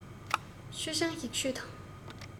མཆོད ཆང ཞིག མཆོད དང